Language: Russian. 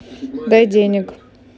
дай денег